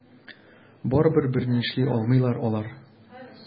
Барыбер берни эшли алмыйлар алар.